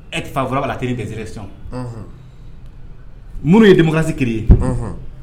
E tɛ fa fɔlɔba tɛ kɛsɛ sɔn muru ye damasi kelen ye